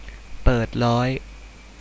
เปิดร้อย